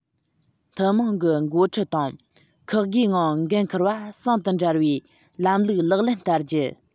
ཐུན མོང གི འགོ ཁྲིད དང ཁག བགོས ངང འགན འཁུར བ ཟུང དུ འབྲེལ བའི ལམ ལུགས ལག ལེན བསྟར རྒྱུ